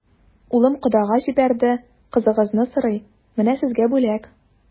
Улым кодага җибәрде, кызыгызны сорый, менә сезгә бүләк.